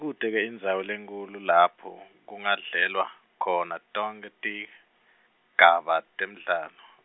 Kute-ke indzawo lenkhulu lapho, kungadlalelwa khona tonkhe tigaba temdlalo.